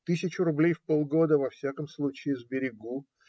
Тысячу рублей в полгода, во всяком случае, сберегу.